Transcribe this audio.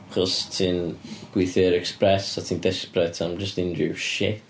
Achos ti'n gweithio i'r Express a ti'n desperate am jyst unrhyw shit.